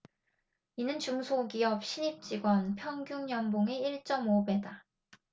이는 중소기업 신입 직원 평균 연봉의 일 쩜 오 배다